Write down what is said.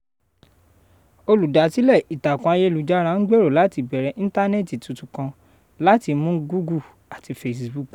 Olùdásílẹ Ìtàkùǹ Àyélujára ń gbèrò láti Bẹ̀rẹ̀ Íntánẹ̀ẹ̀tì Tuntun kan láti lé Mú Google àti Facebook